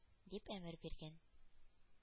— дип әмер биргән.